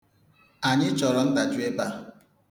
Anyị chọrọ ndajụ ebe a.